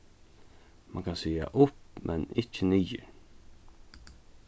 mann kann siga upp men ikki niður